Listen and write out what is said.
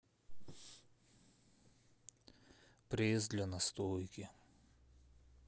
пресс для настойки